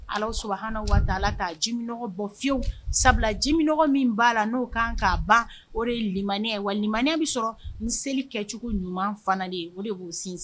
Ala sɔrɔ ha waati k'minaɔgɔ bɔ fiyewuw sabula jiminaɔgɔ min b'a la n'o kan k kaa ban o de ye wa bɛ sɔrɔ seli kɛcogo ɲuman fana de ye o de b'o sinsin